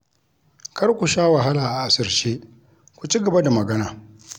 Kar ku sha wahala a asirce - ku ci gaba da magana